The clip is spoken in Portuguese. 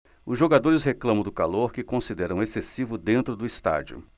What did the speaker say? os jogadores reclamam do calor que consideram excessivo dentro do estádio